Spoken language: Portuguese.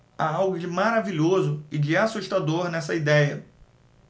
há algo de maravilhoso e de assustador nessa idéia